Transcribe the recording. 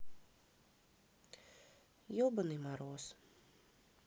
ебаный мороз